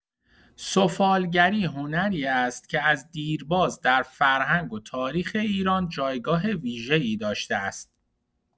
سفالگری هنری است که از دیرباز در فرهنگ و تاریخ ایران جایگاه ویژه‌ای داشته است.